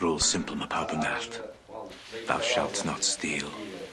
Rule simple ma' pawb yn dallt. Thou shalt not steal.